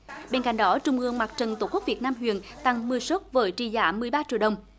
bên cạnh đó trung ương mặt trận tổ quốc việt nam huyện tặng mười suất với trị giá mười ba triệu đồng